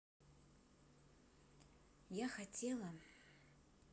я хотела